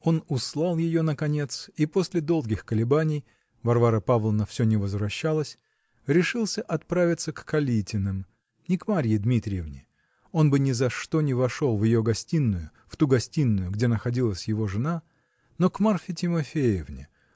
Он услал ее, наконец, и после долгих колебаний (Варвара Павловна все не возвращалась) решился отправиться к Калягиным, -- не к Марье Дмитриевне (он бы ни за что не вошел в ее гостиную, в ту гостиную, где находилась его жена), но к Марфе Тимофеевне